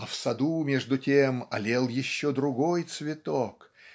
А в саду между тем алел еще другой цветок